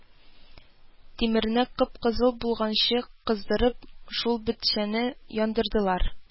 Тимерне кып-кызыл булганчы кыздырып, шул бетчәне яндырдылар